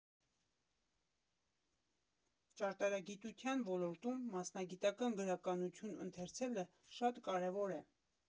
Ճարտարագիտության ոլորտում մասնագիտական գրականություն ընթերցելը շատ կարևոր է։